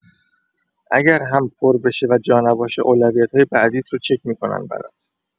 اگر هم پر بشه و جا نباشه اولویت‌های بعدیت رو چک می‌کنن برات